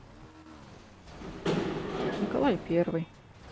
николай первый